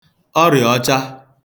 ọrịàọcha